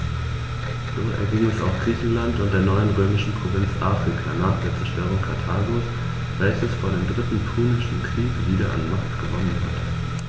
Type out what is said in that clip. So erging es auch Griechenland und der neuen römischen Provinz Afrika nach der Zerstörung Karthagos, welches vor dem Dritten Punischen Krieg wieder an Macht gewonnen hatte.